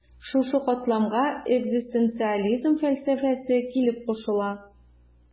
Шушы катламга экзистенциализм фәлсәфәсе килеп кушыла.